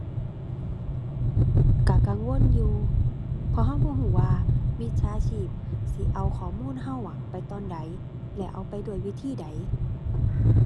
ก็กังวลอยู่ เพราะก็บ่ก็ว่ามิจฉาชีพสิเอาข้อมูลก็อะ ไปตอนใดและเอาไปด้วยวิธีใด